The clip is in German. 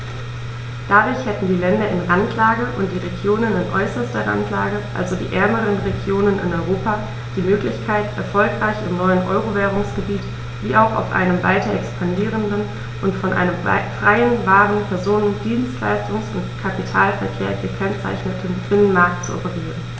Dadurch hätten die Länder in Randlage und die Regionen in äußerster Randlage, also die ärmeren Regionen in Europa, die Möglichkeit, erfolgreich im neuen Euro-Währungsgebiet wie auch auf einem weiter expandierenden und von einem freien Waren-, Personen-, Dienstleistungs- und Kapitalverkehr gekennzeichneten Binnenmarkt zu operieren.